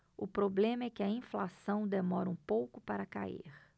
o problema é que a inflação demora um pouco para cair